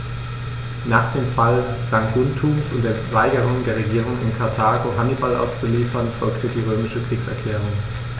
Nach dem Fall Saguntums und der Weigerung der Regierung in Karthago, Hannibal auszuliefern, folgte die römische Kriegserklärung.